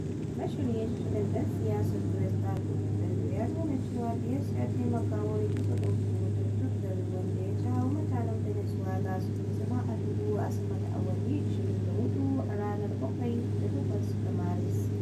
Mashiryin shirin, ɗan siyasa Diosdado Cabello, ya nuna cewa Diaz ya taimaka wajen kitsa ɗauke wutar duk gari wanda ya jawo mutanen ɓenezuela suke zama a duhu sama da awanni 24 a ranar 7 da 8 ga Maris.